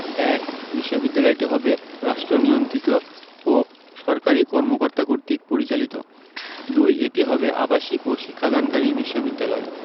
১. বিশ্ববিদ্যালয়টি হবে রাষ্ট্রনিয়ন্ত্রিত ও সরকারি কর্মকর্তা কর্তৃক পরিচালিত ২. এটি হবে আবাসিক ও শিক্ষাদানকারী বিশ্ববিদ্যালয়